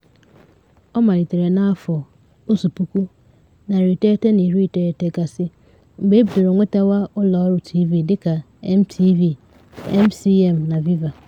Ọ malitere n'afọ 1990 gasị mgbe e bidoro nwetawa ụlọ ọrụ TV dị ka MTV, MCM na VIVA.